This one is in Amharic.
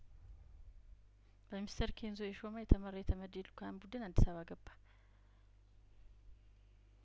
በሚስተር ኬንዞኦሾማ የተመራው የተመድ የልኡካን ቡድን አዲስ አባገባ